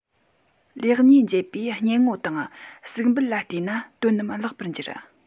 ལེགས ཉེས འབྱེད པོས གཉེན ངོ དང གསུག འབུལ ལ བལྟས ན དོན རྣམས བརླག པར འགྱུར